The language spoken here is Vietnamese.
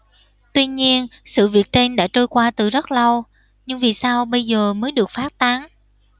tuy nhiên sự việc trên đã trôi qua từ rất lâu nhưng vì sao bây giờ mới được phát tán